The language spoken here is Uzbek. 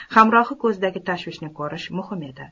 hamrohi ko'zidagi tashvishni ko'rish muhim edi